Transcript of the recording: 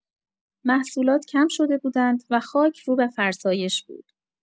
محصولات کم شده بودند و خاک رو به فرسایش بود.